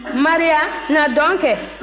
maria na dɔn kɛ